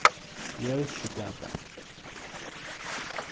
ljós sjokuláta